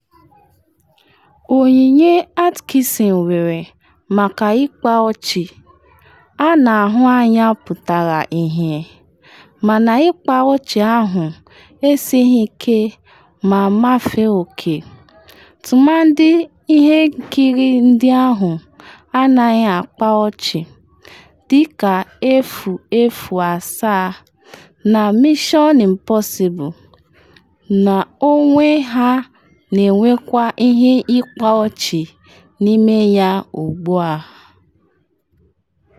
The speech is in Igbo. Onyinye Atkinson nwere maka ịkpa ọchị a na-ahụ anya pụtara ihie, mana ịkpa ọchị ahụ esighi ike ma mafee oke, tụmadị ihe nkiri ndị ahụ “anaghị akpa ọchị” dịka 007 na Mission Impossible n’onwe ha na-enwekwa ihe ịkpa ọchị n’ime ya ugbu a.